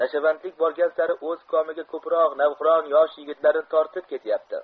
nashavandlik borgan sari o'z komiga ko'proq navqiron yosh yigitlarni tortib ketyapti